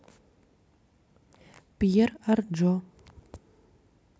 пьер арджо